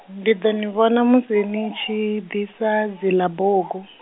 ndi ḓo ni vhona musi ni tshi, ḓisa, dzila bugu.